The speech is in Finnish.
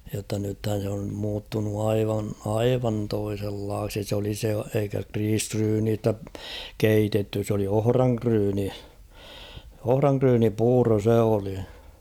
jotta nythän se on muuttunut aivan aivan toisenlaiseksi se oli se eikä riisiryynistä keitetty se oli ohranryyni ohranryynipuuro se oli